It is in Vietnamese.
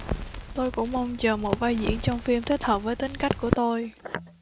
tôi cũng mong chờ một vai diễn trong phim thích hợp với tính cách của tôi